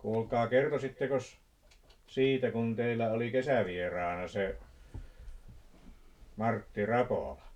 kuulkaa kertoisittekos siitä kun teillä oli kesävieraana se Martti Rapola